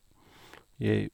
Jeg...